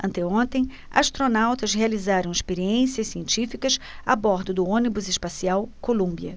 anteontem astronautas realizaram experiências científicas a bordo do ônibus espacial columbia